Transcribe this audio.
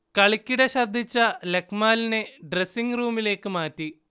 കളിക്കിടെ ഛർദിച്ച ലക്മാലിനെ ഡ്രസിങ്ങ് റൂമിലേക്ക് മാറ്റി